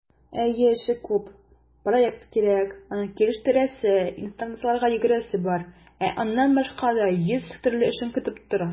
Әйе, эше күп - проект кирәк, аны килештерәсе, инстанцияләргә йөгерәсе бар, ә аннан башка да йөз төрле эшең көтеп тора.